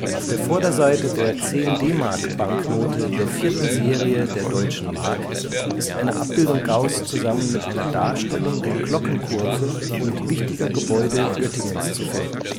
Auf der Vorderseite der „ 10 DM “- Banknote der vierten Serie der Deutschen Mark ist eine Abbildung Gauß’ zusammen mit einer Darstellung der Glockenkurve und wichtiger Gebäude Göttingens zu finden